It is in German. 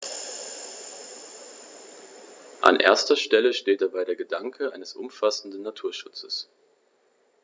An erster Stelle steht dabei der Gedanke eines umfassenden Naturschutzes.